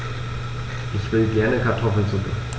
Ich will gerne Kartoffelsuppe.